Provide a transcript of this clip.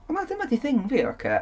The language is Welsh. Wel dyma 'di thing fi ocê?